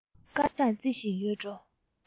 སྐར གྲངས རྩི བཞིན ཡོད འགྲོ